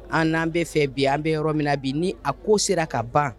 A nan bi fɛ bi an bɛ yɔrɔ min na bi ni a ko sera ka ban